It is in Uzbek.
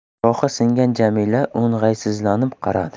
shoxi singan jamila o'ng'aysizlanib qaradi